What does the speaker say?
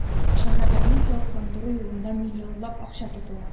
Шәһәрләрне савыкландыру юлында миллионлап акча тотыла.